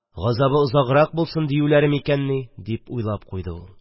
Газабы озаграк булсын диюләре микәнни?» – дип уйлап куйды ул.